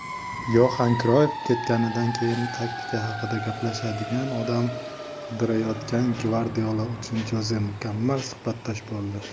yoxan kroyf ketganidan keyin taktika haqida gaplashadigan odam qidirayotgan gvardiola uchun joze mukammal suhbatdosh bo'ldi